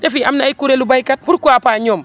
te fii am na ay kuréelu béykat pourquoi pas ñoom